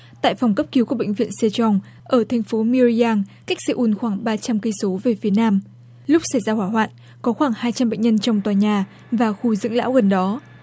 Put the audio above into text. tại phòng cấp cứu của bệnh viện sê chong ở thành phố miêu giang cách xê un khoảng ba trăm cây số về phía nam lúc xảy ra hỏa hoạn có khoảng hai trăm bệnh nhân trong tòa nhà và khu dưỡng lão gần đó